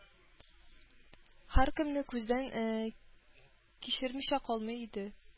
Һәркемне күздән кичермичә калмый иде.